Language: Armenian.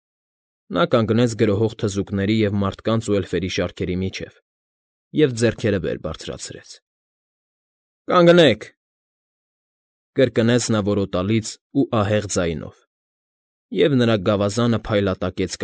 Նա կանգնեց գրոհող թզուկների և մարդկանց ու էլֆերի շարքերի միջև և ձեռքերը վեր բարձրացրեց։֊ Կանգնեք,֊ կրկնեց նա որոտալից ու ահեղ ձայնով, և նրա գավազանը փայլատակեց։